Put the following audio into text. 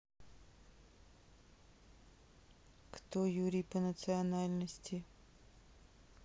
кто юрий по национальности